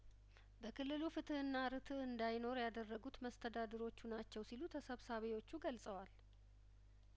በክልሉ ፍትህና ርትእ እንዳይኖር ያደረጉት መስተዳድሮቹ ናቸው ሲሉ ተሰብሳቢዎቹ ገልጸዋል